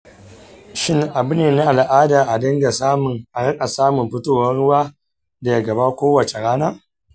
shin abu ne na al'ada a riƙa samun fitowar ruwa daga gaba kowace rana?